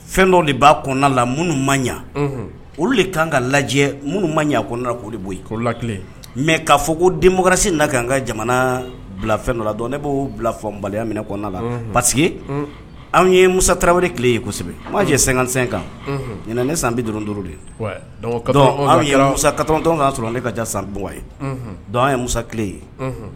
Fɛn dɔ de' la minnu ma ɲɛ olu de kan ka lajɛ minnu maɲa k'o de bɔle mɛ'a fɔ ko densi na ka n ka jamana bila fɛn dɔ dɔn ne b'o bila fɔ n baliya minɛ kɔnɔna la parce anw ye mu tarawele tile yesɛbɛ majɛ sankansɛn kan ɲin ne san bɛ dɔrɔn duuru de anwtɔn ka sɔrɔ ne ka ja sarari bɔ ye dɔn ye musatile ye